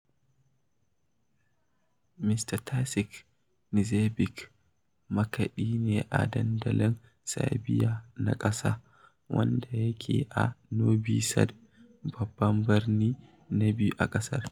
Ms. Tasic Knezeɓic makaɗi ne a Dandalin Serbia na ƙasa, wanda yake a Noɓi Sad, babban birni na biyu a ƙasar.